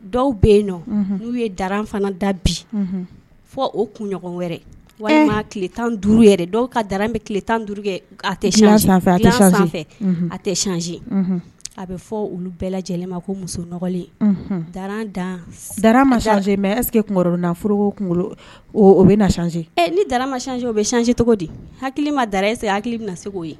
Dɔw bɛ yen nɔ n'u ye da fana da bi fɔ o kunɲɔgɔn wɛrɛ walima tile tan duuru yɛrɛ dɔw ka da bɛ tile tan duuru kɛ a tɛ sanfɛ a tɛse a bɛ fɔ olu bɛɛ lajɛlen ma ko musonlensekeforo o bɛ na ni da mac o bɛ sse cogo di hakili ma da ese hakili bɛ na se'o ye